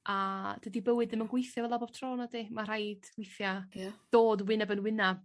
A dydi bywyd ddim yn gweithio fela bob tro nadi ma' rhaid withia... Ia. ...dod wyneb yn wynab